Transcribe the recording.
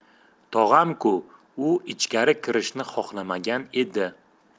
tog'amku u ichkari kirishni xohlamagan edi